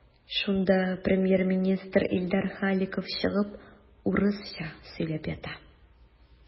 Шунда премьер-министр Илдар Халиков чыгып урысча сөйләп ята.